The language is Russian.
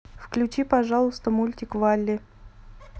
включи пожалуйста мультик валли